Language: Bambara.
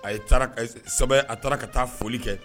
A ye a taara ka taa foli kɛ